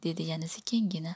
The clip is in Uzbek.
dedi yana sekingina